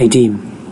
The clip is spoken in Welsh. ei dîm.